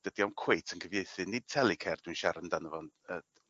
dydi o'm cweit yn cyfieithu nid Tellycare dwi'n siarad amdano fo'n yy